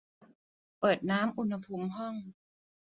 เปิดน้ำอุณหภูมิห้อง